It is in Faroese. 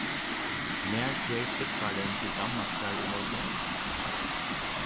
nær fer flúgvarin til danmarkar í morgun